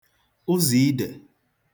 ụzọ̀ idè